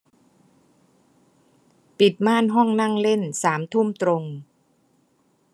ปิดม่านห้องนั่งเล่นสามทุ่มตรง